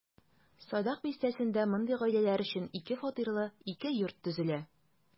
Садак бистәсендә мондый гаиләләр өчен ике фатирлы ике йорт төзелә.